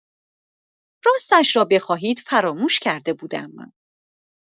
راستش را بخواهید فراموش کرده بودم.